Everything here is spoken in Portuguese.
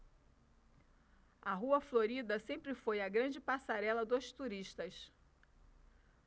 a rua florida sempre foi a grande passarela dos turistas